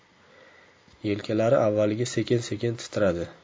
yelkalari avvaliga sekin sekin titradi